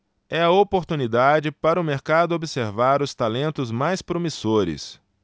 é a oportunidade para o mercado observar os talentos mais promissores